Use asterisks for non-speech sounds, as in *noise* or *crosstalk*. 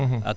*hesitation* *hesitation*